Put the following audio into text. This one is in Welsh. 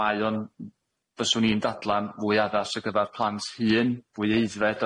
mae o'n fyswn i'n dadla'n fwy addas o gyfar plant hŷn fwy aeddfed